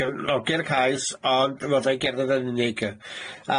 Cefnogi'r cais ond fod o i'w gerddad yn unig.